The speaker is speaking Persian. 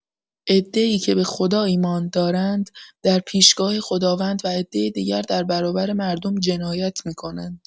عده‌ای که به‌خدا ایمان دارند در پیشگاه خداوند و عده دیگر در برابر مردم جنایت می‌کنند.